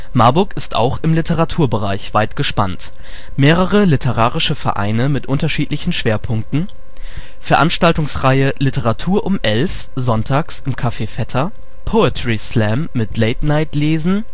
Marburg ist auch im Literaturbereich weit gespannt: mehrere literarische Vereine mit unterschiedlichen Schwerpunkten; Veranstaltungsreihe " Literatur um 11 ", sonntags im Café Vetter; Poetry Slam mit Late-Night-Lesen